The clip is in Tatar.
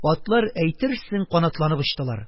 Атлар, әйтерсең, канатланып очтылар.